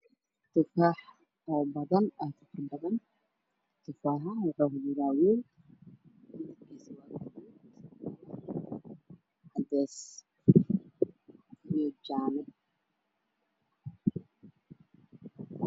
Tufaax badan oo saaran meel miis kor kiisa ah